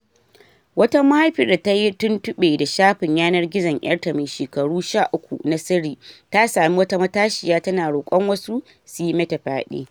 Wata mahaifiyar da ta yi tuntuɓe da shafin yanar gizon 'yarta mai shekaru 13 na sirri ta sami wata matashiya tana roƙon wasu su "yi mata fyade.”